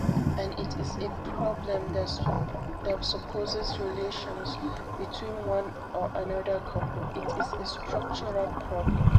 And it is a problem that supposes relations between one or another couple — it is a structural problem.